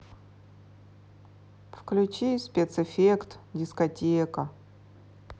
включи спецэффект дискотека